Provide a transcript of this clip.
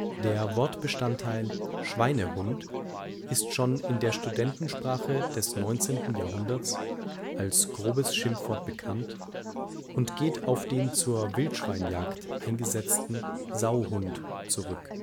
Der Wortbestandteil ' Schweinehund ' ist schon in der Studentensprache des 19. Jahrhunderts als grobes Schimpfwort bekannt und geht auf den zur Wildschwein-Jagd eingesetzten Sauhund zurück